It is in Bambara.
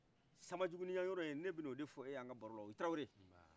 sanba juguniya yɔrɔ in ne bɛn' o de f' eye an kan barola i tarawore